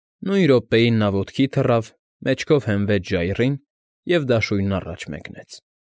Նույն րոպեին նա ոտքի թռավ, մեջքով հենվեց ժայռին և դաշույնն առաջ մեկնեց։